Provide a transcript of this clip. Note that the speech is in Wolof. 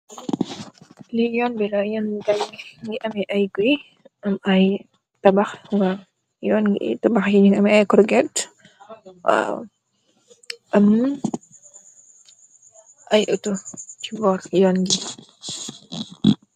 Lii Yoon bi la, Yoon bi mu ngi amee ay guy, amee ay tabax. Yoon bi tabax yi ñu ngi ay korget, am ay otto si yoon gi.